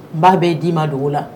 N ba bɛ d'i ma dogo la